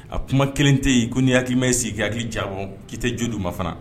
A kuma 1 te yen ko ni hanima yi sigi ki hakili jagabɔ ki tɛ jo du ma fana.